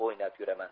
o'ynab yuraman